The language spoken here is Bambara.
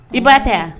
I ba tɛ wa?